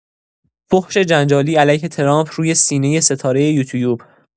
فحش جنجالی علیه ترامپ روی سینه ستاره یوتیوب